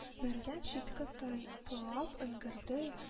Мәргән читкә тай пылап өлгерде